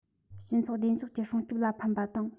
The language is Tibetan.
སྤྱི ཚོགས བདེ འཇགས ཀྱི སྲུང སྐྱོབ ལ ཕན པ དང